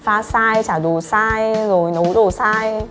pha sai trả đồ sai rồi nấu đồ sai